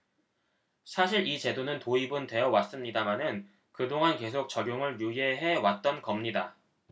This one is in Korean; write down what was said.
사실 이 제도는 도입은 되어 왔습니다마는 그동안 계속 적용을 유예해 왔던 겁니다